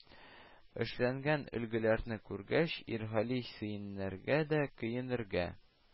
Эшләнгән өлгеләрне күргәч, иргали сөенергә дә, көенергә